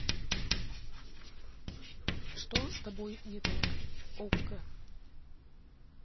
что с тобой не так окко